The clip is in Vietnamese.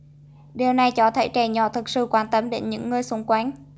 điều này cho thấy trẻ nhỏ thực sự quan tâm đến những người xung quanh